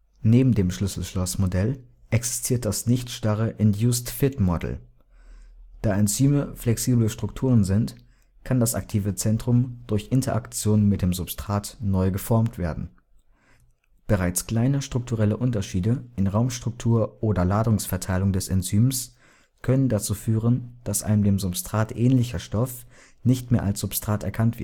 Neben dem Schlüssel-Schloss-Modell existiert das nicht starre Induced fit model: Da Enzyme flexible Strukturen sind, kann das aktive Zentrum durch Interaktion mit dem Substrat neu geformt werden. Bereits kleine strukturelle Unterschiede in Raumstruktur oder Ladungsverteilung des Enzyms können dazu führen, dass ein dem Substrat ähnlicher Stoff nicht mehr als Substrat erkannt